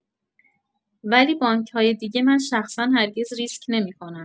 ولی بانک‌های دیگه من شخصا هرگز ریسک نمی‌کنم.